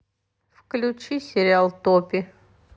включи сериал топи